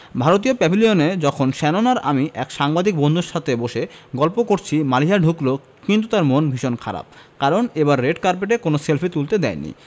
ভারতীয় প্যাভিলিয়নে যখন শ্যানন আর আমি এক সাংবাদিক বন্ধুর সাথে বসে গল্প করছি মালিহা ঢুকলো কিন্তু তার মন ভীষণ খারাপ কারণ এবার রেড কার্পেটে কোনো সেলফি তুলতে দেয়নি